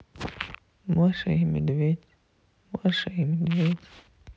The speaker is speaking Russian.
маша и медведь маша и медведь